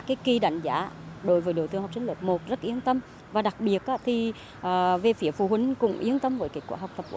kiki đánh giá đối với đối tượng học sinh lớp một rất yên tâm và đặc biệt khả thi về phía phụ huynh cũng yên tâm với kết quả học tập của